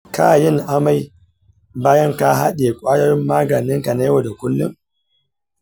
ka yin amai bayan ka haɗiye ƙwayoyin maganin ka na yau da kullum?